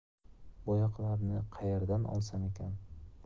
bo'yoqlarni qayerdan olsam ekan